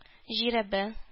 Жирәбә